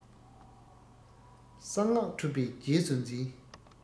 གསང སྔགས གྲུབ པས རྗེས སུ འཛིན